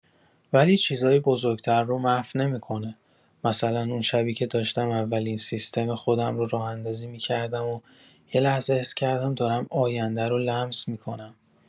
ولی چیزای بزرگ‌تر رو محو نمی‌کنه، مثلا اون شبی که داشتم اولین سیستم خودم رو راه‌اندازی می‌کردم و یه لحظه حس کردم دارم آینده رو لمس می‌کنم.